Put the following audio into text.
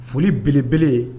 Foli belebele